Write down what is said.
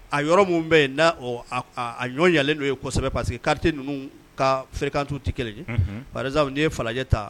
A yɔrɔ minnu bɛ yen n a ɲɔnyalen don yen kosɛbɛ parce que quartiers ninnu ka fréquence tɛ kelen ye par example n'i ye falajɛ ta